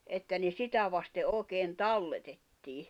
että ne sitä vasten oikein talletettiin